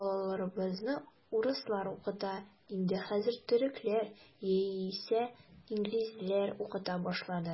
Балаларыбызны урыслар укыта, инде хәзер төрекләр яисә инглизләр укыта башлады.